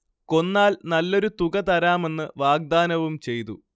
കൊന്നാൽ നല്ലൊരു തുക തരാമെന്ന് വാഗ്ദാനവും ചെയ്തു